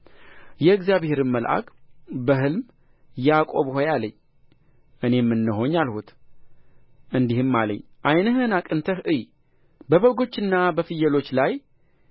የእግዚአብሔርም መልአክ በሕልም ያዕቆብ ሆይ አለኝ እኔም እነሆኝ አልሁት እንዲህም አለኝ ዓይንህን አቅንተህ እይ በበጎችና በፍየሎች ላይ